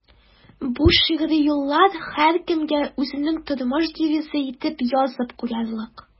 Бу шигъри юллар һәркемгә үзенең тормыш девизы итеп язып куярлык.